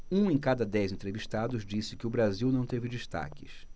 um em cada dez entrevistados disse que o brasil não teve destaques